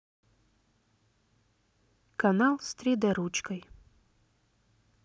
канал с три д ручкой